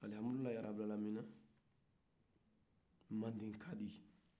alihamdulayi rabi alamina manden kadi